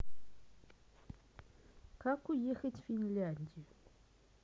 как уехать в финляндию